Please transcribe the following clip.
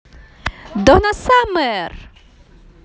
donna summer